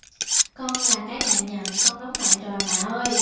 con là cái mạng nhện con đóng mạng rồi mạ ơi